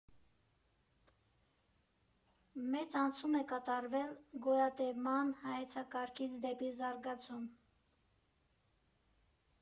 Մեծ անցում է կատարվել գոյատևման հայեցակարգից դեպի զարգացում։